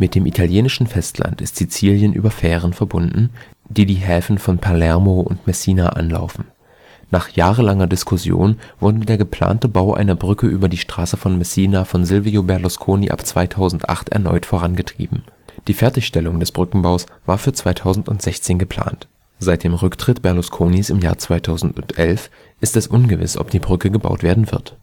dem italienischen Festland ist Sizilien über Fähren verbunden, die die Häfen von Palermo und Messina anlaufen. Nach jahrelanger Diskussion wurde der geplante Bau einer Brücke über die Straße von Messina von Silvio Berlusconi ab April 2008 erneut vorangetrieben. Die Fertigstellung des Brückenbaus war für 2016 geplant. Seit dem Rücktritt Berlusconis im Jahr 2011 ist es ungewiss, ob die Brücke gebaut werden wird